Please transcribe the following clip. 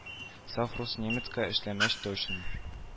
Саф рус немецка эшләмәс точно